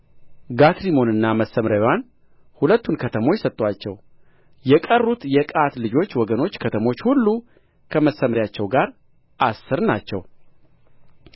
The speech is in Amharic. ጋትሪሞንንና መሰምርያዋን ሁለቱን ከተሞች ሰጡአቸው የቀሩት የቀዓት ልጆች ወገኖች ከተሞች ሁሉ ከመሰምርያቸው ጋር አሥር ናቸው